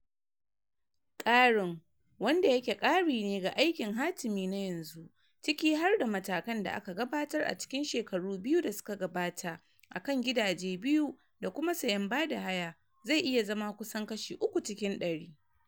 Ƙarin - wanda da yake kari ne ga aikin hatimi na yanzu, ciki har da matakan da aka gabatar a cikin shekaru biyu da suka gabata a kan gidaje biyu da kuma sayen bada haya - zai iya zama kusan kashi uku cikin dari.